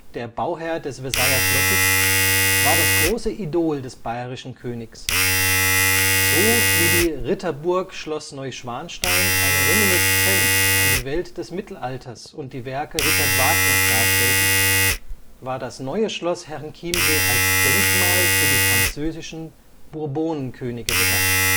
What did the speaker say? der Bauherr des Versailler Schlosses, war das große Idol des bayerischen Königs. So wie die „ Ritterburg “Schloss Neuschwanstein eine Reminiszenz an die Welt des Mittelalters und die Werke Richard Wagners darstellte, war das Neue Schloss Herrenchiemsee als Denkmal für die französischen Bourbonenkönige gedacht